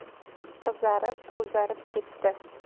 qizarib bo'zarib ketdi